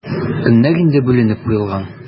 Көннәр инде бүленеп куелган.